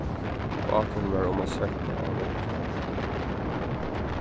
báturin var um at søkka av veðrinum